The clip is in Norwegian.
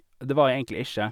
Og det var jeg egentlig ikke.